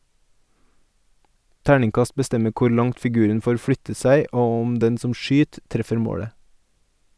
Terningkast bestemmer kor langt figuren får flytta seg og om den som skyt, treffer målet.